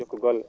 jokku golle